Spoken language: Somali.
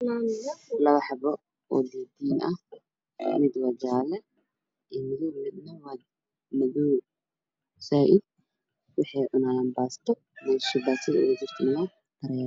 Waxaa ii muuqda labadii diin oo kalarkooda yahay jaallo wax ku cunaayo